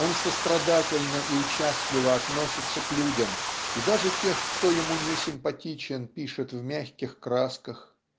Он сострадательно и участливо относится к людям и даже тех кто ему несимпатичен пишет в мягких красках.